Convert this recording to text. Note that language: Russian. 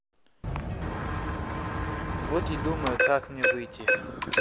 вот и думаю как мне выйти